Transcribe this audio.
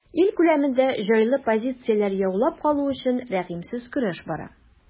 Ил күләмендә җайлы позицияләр яулап калу өчен рәхимсез көрәш бара.